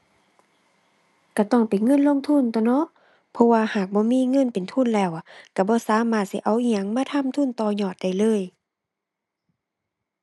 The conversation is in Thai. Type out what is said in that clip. ก็ต้องเป็นเงินลงทุนตั่วเนาะ เพราะว่าหากบ่มีเงินเป็นทุนแล้วอะ ก็บ่สามารถสิเอาอิหยังมาทำทุนต่อยอดได้เลย